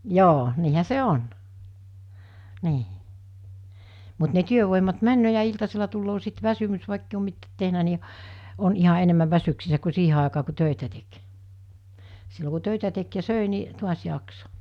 joo niinhän se on niin mutta ne työvoimat menee ja iltasella tulee sitten väsymys vaikka ei ole mitään tehnyt niin on ihan enemmän väsyksissä kuin siihen aikaan kun töitä teki silloin kun töitä teki ja söi niin taas jaksoi